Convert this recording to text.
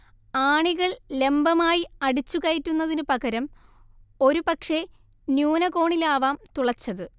ആണികൾ ലംബമായി അടിച്ചുകയറ്റുന്നതിനു പകരം ഒരുപക്ഷേ ന്യൂനകോണിലാവാം തുളച്ചത്